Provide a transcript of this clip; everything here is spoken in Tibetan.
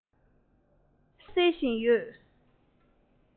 སེམས ནང གི མུན པ སེལ བཞིན ཡོད